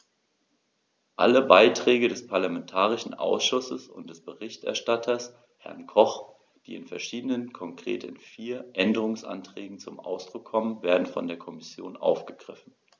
Alle Beiträge des parlamentarischen Ausschusses und des Berichterstatters, Herrn Koch, die in verschiedenen, konkret in vier, Änderungsanträgen zum Ausdruck kommen, werden von der Kommission aufgegriffen.